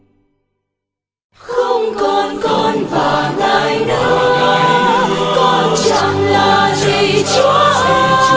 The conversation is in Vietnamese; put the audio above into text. không còn con và ngài nữa con chẳng là gì chúa ơi